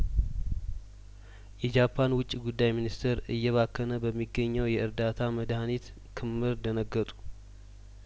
የጃፓን ውጪ ጉዳይ ሚኒስተር እየባከነ በሚገኘው የእርዳታ መድሀኒት ክምር ደነገጡ